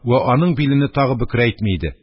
Вә аның билене тагы бөкрәйтми иде.